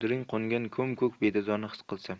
shudring qo'ngan ko'm ko'k bedazorni xis qilsam